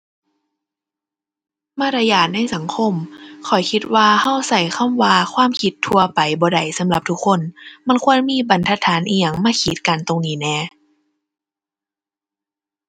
มารยาทในสังคม ข้อยคิดว่าเราเราคำว่าความคิดทั่วไปบ่ได้สำหรับทุกคน มันควรมีบรรทัดฐานอิหยังมาขีดกั้นตรงนี้แหน่